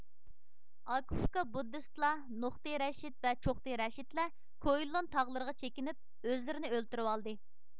ئاكا ئۇكا بۇددىستلار نۇقتى رەشىد ۋە چوقتى رەشىدلەر كۇئېنلۇن تاغلىرىغا چېكىنىپ ئۆزلىرىنى ئۆلتۈرۈۋالدى